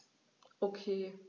Okay.